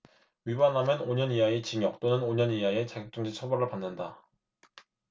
위반하면 오 년 이하의 징역 또는 오 년 이하의 자격정지 처벌을 받는다